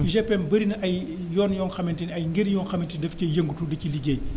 UGPM bari na ay yoon ya nga xamante ni ay ngën yoo xamante ni daf cay yëngatu di ci liggéey